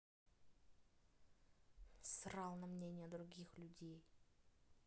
срал на мнение других людей